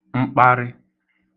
mkparị